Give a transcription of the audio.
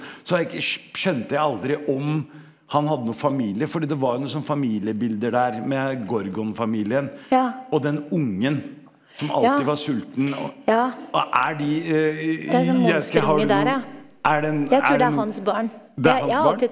så har jeg ikke skjønte jeg aldri om han hadde noe familie fordi det var jo noe sånn familiebilder der med Gorgon-familien og den ungen som alltid var sulten og og er de jeg vet ikke har du noen er den er den det er hans barn?